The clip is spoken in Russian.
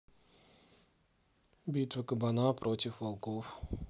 битва кабана против волков